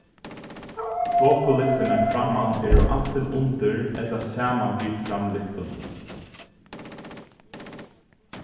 tokulyktirnar framman eru antin undir ella saman við framlyktunum